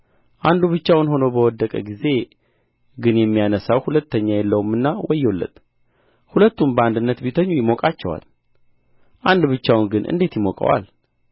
አንዱ ብቻውን ሆኖ በወደቀ ጊዜ ግን የሚያነሣው ሁለተኛ የለውምና ወዮለት ሁለቱም በአንድነት ቢተኙ ይሞቃቸዋል አንድ ብቻውን ግን እንዴት ይሞቀዋል